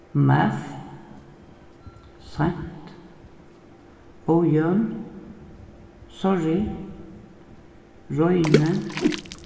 math seint ójøvn sorry royni